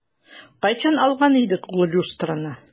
Кайчан алган идек ул люстраны?